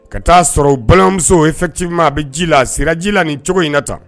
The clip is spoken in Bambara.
Ka t'a sɔrɔ u balimamuso efectivement a bɛ ji la, a sira ji la ni cogo in na tan.